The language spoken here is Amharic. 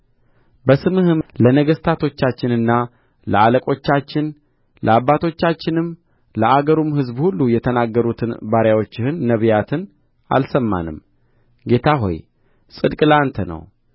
በስምህም ለነገሥታቶቻችንና ለአለቆቻችን ለአባቶቻችንም ለአገሩም ሕዝብ ሁሉ የተናገሩትን ባሪያዎችህን ነቢያትን አልሰማንም ጌታ ሆይ ጽድቅ ለአንተ ነው